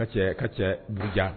Ka ca ka cɛ dugujan